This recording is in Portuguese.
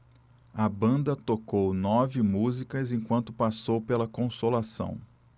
a banda tocou nove músicas enquanto passou pela consolação